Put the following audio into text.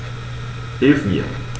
Hilf mir!